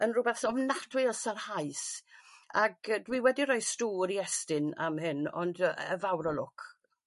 yn rwbath ofnadwy o sarhaus ag yy dwi wedi rhoi stŵr i Estyn am hyn ond yy e- fawr o lwc.